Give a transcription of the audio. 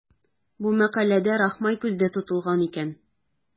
Бу мәкаләдә Рахмай күздә тотылган икән.